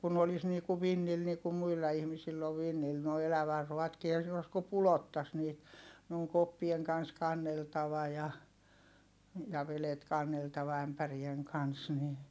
kun olisi niin kuin vintillä niin kuin muilla ihmisillä on vintillä nuo elävänruoatkin eihän siinä ole kuin pudottaisi niitä ne on koppien kanssa kanneltava ja ja vedet kanneltava ämpärien kanssa niin